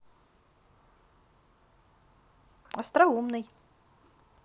остроумный